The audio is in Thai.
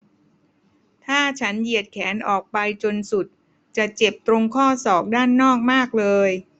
ถ้าฉันเหยียดแขนออกไปจนสุดจะเจ็บตรงข้อศอกด้านนอกมากเลย